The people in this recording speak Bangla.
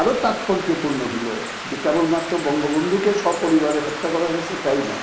আরো তাৎপর্যপূর্ণ হলো কেবলমাত্র বঙ্গবন্ধুকে সপরিবারে হত্যা করা হয়েছে তাই না